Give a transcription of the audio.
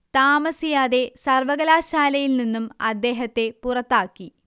താമസിയാതെ സർവ്വകലാശാലയിൽ നിന്നും അദ്ദേഹത്തെ പുറത്താക്കി